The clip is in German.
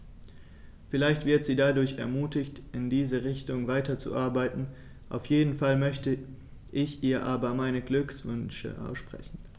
Vielleicht wird sie dadurch ermutigt, in diese Richtung weiterzuarbeiten, auf jeden Fall möchte ich ihr aber meine Glückwünsche aussprechen.